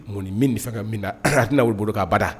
bo nin bɛ nafaga min na a tɛn'o bolo kan abada.